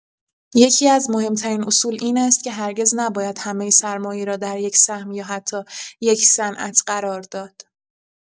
یکی‌از مهم‌ترین اصول این است که هرگز نباید همه سرمایه را در یک سهم یا حتی یک صنعت قرار داد.